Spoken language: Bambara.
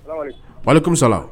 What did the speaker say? Salamalekun walekum Salam